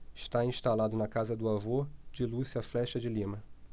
está instalado na casa do avô de lúcia flexa de lima